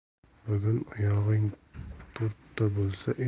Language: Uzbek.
bugun oyog'ing to'rtta bo'lsa